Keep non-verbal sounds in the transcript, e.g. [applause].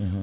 [hesitation] [hesitation]